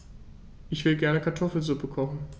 Ich will gerne Kartoffelsuppe kochen.